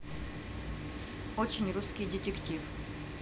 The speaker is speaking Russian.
очень русский детектив